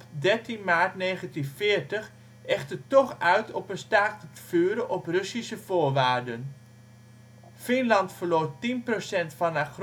het op 13 maart 1940 echter toch uit op een staakt-het-vuren op Russische voorwaarden. Finland verloor 10 procent van haar grondgebied